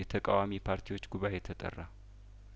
የተቃዋሚ ፓርቲዎች ጉባኤ ተጠራ